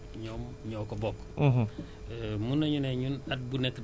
ndax spéculations yi variétés yi ñoom ñoo ko bokk